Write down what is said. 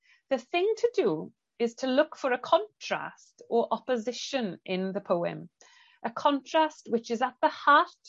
The thing to do is to look for a contrast or opposition in the poem, a contrast which is at the heart